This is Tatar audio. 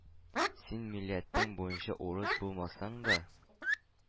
Син милләтең буенча урыс булмасаң да,